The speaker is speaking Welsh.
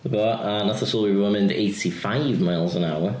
Do a wnaeth o sylwi bod o'n mynd eighty five miles an hour.